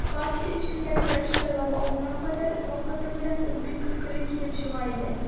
Партия эчендә көрәш сайлау алдына кадәр барды, вакыты белән ул бик көлкеле килеп чыга иде.